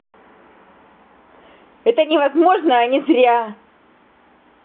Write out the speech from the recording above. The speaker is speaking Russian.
это невозможно а не зря